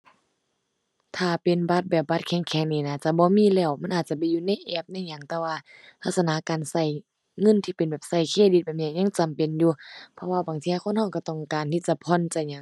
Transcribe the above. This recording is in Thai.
ถ้าเป็นบัตรแบบบัตรแข็งแข็งนี่น่าจะบ่มีแล้ว มันอาจจะไปอยู่ในแอปในหยัง แต่ว่าลักษณะการใช้เงินที่เป็นแบบใช้เครดิตแบบนี้ ยังจำเป็นอยู่ เพราะว่าบางเที่ยคนใช้ใช้ต้องการที่จะผ่อนจะหยัง